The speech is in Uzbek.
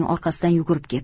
orqasidan yugurib ketdi